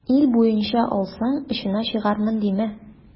Ил буенча алсаң, очына чыгармын димә.